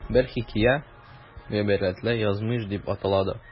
Бер хикәя "Гыйбрәтле язмыш" дип атала да.